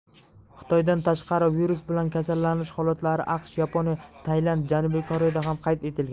xitoydan tashqari virus bilan kasallanish holatlari aqsh yaponiya tailand janubiy koreyada ham qayd etilgan